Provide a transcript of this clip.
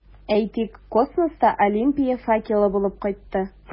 Әйтик, космоста Олимпия факелы булып кайтты.